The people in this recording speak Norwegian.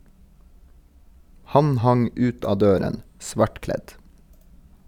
Han hang ut av døren, svartkledt.